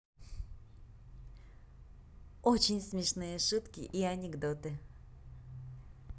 очень смешные шутки и анекдоты